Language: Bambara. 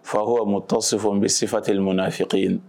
Fa ko mɔ tɔ si fɔ n bɛ sefa tɛli mɔn na a fɛ yen